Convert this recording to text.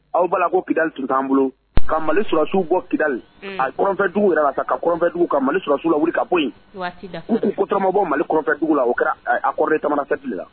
Aw b'a la ko pdli tun t'an bolo ka mali sulasiw bɔ kidali a kɔnfɛ dugu yɛrɛ ka taa kafɛdugu ka mali sulasiw la wuli ka bɔ kotɔmabɔ malifɛdugu la o kɛra a kɔrɔɔri ta tɛ tile la